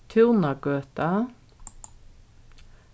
túnagøta